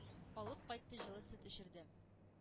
Алып кайтты, җылы сөт эчерде,